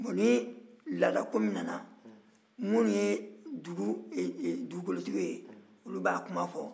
bon ni laadako min nana minnu ye dugukolotigiw ye olu b'a kuma fɔ